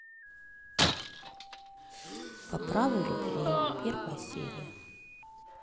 по праву любви первая серия